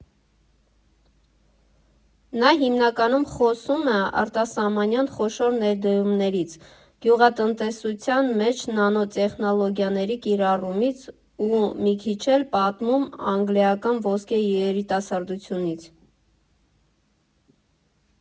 Նա հիմնականում խոսում է արտասահմանյան խոշոր ներդրումներից, գյուղատնտեսության մեջ նանոտեխնոլոգիաների կիրառումից ու մի քիչ էլ պատմում անգլիական ոսկե երիտասարդությունից։